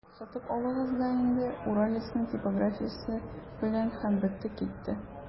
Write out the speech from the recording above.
Сатып алыгыз да инде «Уралец»ны типографиясе белән, һәм бетте-китте!